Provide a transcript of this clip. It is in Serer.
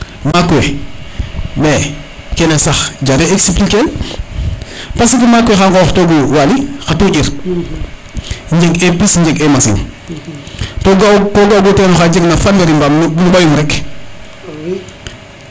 maak we me kene sax jare expliquer el parce que maaak we xa ngoox togu Waly xa tuuƴir njeg e pis njeg e machine ko ko ga ogu ten oxa jeg na fanweri mbam no ɓayum rek